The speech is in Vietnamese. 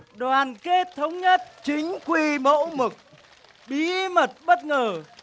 đoàn kết thống nhất chính quy mẫu mực bí mật bất ngờ